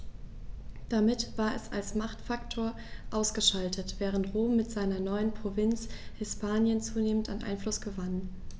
Damit war es als Machtfaktor ausgeschaltet, während Rom mit seiner neuen Provinz Hispanien zunehmend an Einfluss gewann.